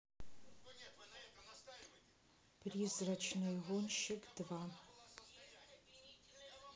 призрачный гонщик два